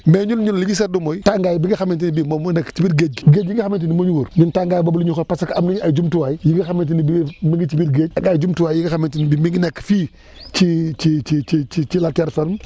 mais ñun ñun li ñu seetlu mooy tàngaay bi nga xamante ni bii moom moo nekk ci biir géej gi géej gi nga xamante ni moo ñu wër ñun tàngaay boobu la ñuy xool parce que am nañu ay jumtuwaay yi nga xamante ni bii mi ngi ci biir géej ak ay jumtuwaay yi nga xamante ni mi ngi nekk fii ci ci ci ci ci ci la terre ferme :fa